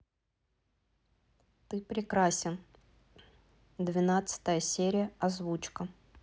ты прекрасен двенадцатая серия озвучка